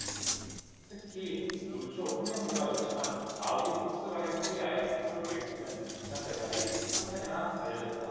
특히 올초 환경부가 요청한 아우디폭스바겐코리아의 리콜 계획서는 지난달까지 삼 차례나 반려됐다